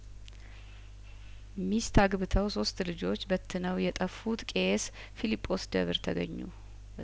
ሚስት አግብተው ሶስት ልጆችበት ነው የጠፉት ቄስ ፊሊጶስ ደብር ተገኙ